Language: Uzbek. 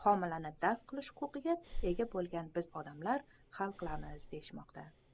homilani daf qilish huquqiga ega bo'lgan biz odamlar hal qilamiz deyishmoqda